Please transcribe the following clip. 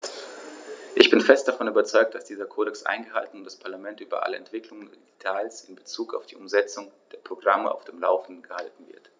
Ich bin fest davon überzeugt, dass dieser Kodex eingehalten und das Parlament über alle Entwicklungen und Details in bezug auf die Umsetzung der Programme auf dem laufenden gehalten wird.